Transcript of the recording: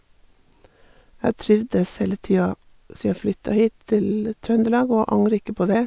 Jeg trivdes hele tida sia jeg flytta hit til Trøndelag, og jeg angrer ikke på det.